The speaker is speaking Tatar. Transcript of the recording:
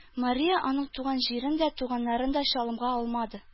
Мария аның туган җирен дә, туганнарын да чалымга алмады.